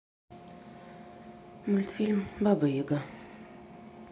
мультфильм баба яга